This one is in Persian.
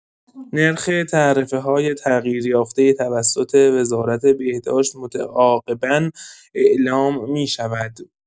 نرخ تعرفه‌های تغییر یافته توسط وزارت بهداشت متعاقبا اعلام می‌شود.